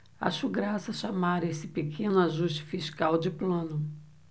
acho graça chamar esse pequeno ajuste fiscal de plano